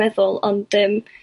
dwi'n meddwl ond yym